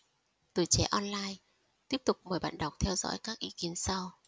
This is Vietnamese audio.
tuổi trẻ online tiếp tục mời bạn đọc theo dõi các ý kiến sau